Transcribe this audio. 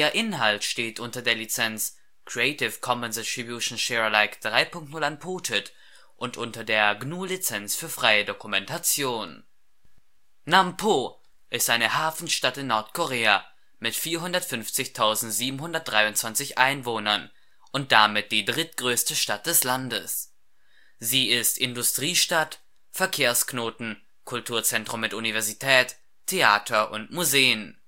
Inhalt steht unter der Lizenz Creative Commons Attribution Share Alike 3 Punkt 0 Unported und unter der GNU Lizenz für freie Dokumentation. Namp’ o Chosŏn’ gŭl: 남포특별시 Hancha: 南浦特別市 McCune-Reischauer: Namp’ o T'ŭkpyŏlsi Revidierte Romanisierung: Nampo Teukbyeolsi Basisdaten Fläche: 82,9 km² Einwohner: 450.723 (Stand: 1. Januar 2005) Bevölkerungsdichte: 5.437 Einwohner je km² Namp’ o ist eine Hafenstadt in Nordkorea mit 450.723 Einwohnern und damit die drittgrößte Stadt des Landes. Sie ist Industriestadt, Verkehrsknoten, Kulturzentrum mit Universität, Theater und Museen